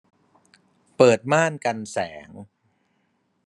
เปิดม่านกันแสง